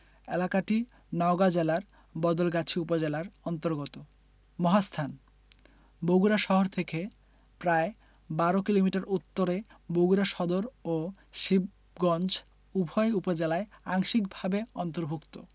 এলাকাটি নওগাঁ জেলার বদলগাছি উপজেলার অন্তর্গত মহাস্থান বগুড়া শহর থেকে প্রায় ১২ কিলোমিটার উত্তরে বগুড়া সদর ও শিবগঞ্জ উভয় উপজেলায় আংশিকভাবে অন্তর্ভুক্ত